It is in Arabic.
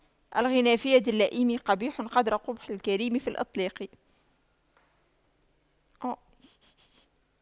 الغنى في يد اللئيم قبيح قدر قبح الكريم في الإملاق